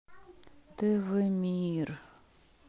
тв мир